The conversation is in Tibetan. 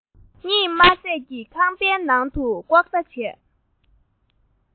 གཉིད མ སད ཀྱིས ཁང པའི ནང དུ ལྐོག ལྟ བྱས